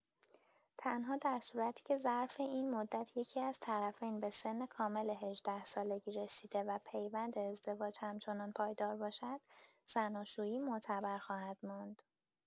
تنها در صورتی که ظرف این مدت یکی‌از طرفین به سن کامل ۱۸ سالگی رسیده و پیوند ازدواج همچنان پایدار باشد، زناشویی معتبر خواهد ماند.